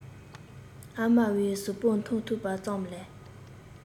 ཨ མའི གཟུགས པོ མཐོང ཐུབ པ ཙམ ལས